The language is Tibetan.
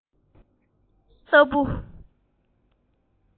ལྟས ངན སྲིན བྱ འུག པ ལྟ བུ